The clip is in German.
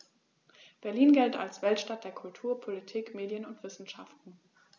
Berlin gilt als Weltstadt der Kultur, Politik, Medien und Wissenschaften.